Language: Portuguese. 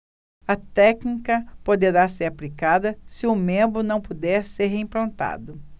a técnica poderá ser aplicada se o membro não puder ser reimplantado